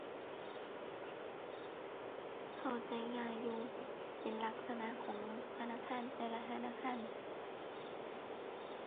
เข้าใจง่ายอยู่ เป็นลักษณะของธนาคารแต่ละธนาคาร